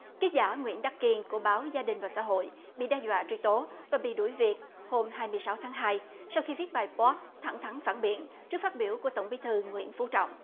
ký giả nguyễn đắc kiên của báo gia đình và xã hội bị đe dọa truy tố và bị đuổi việc hôm hai mươi sáu tháng hai sau khi viết bài bờ lóc thẳng thắn phản biện trước phát biểu của tổng bí thư nguyễn phú trọng